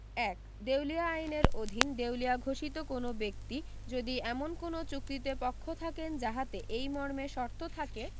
১ দেউলিয়া আইন এর অধীন দেউলিয়া ঘোষিত কোন ব্যক্তি যদি এমন কোন চুক্তিতে পক্ষ থাকেন যাহাতে এই মর্মে শর্ত থাকে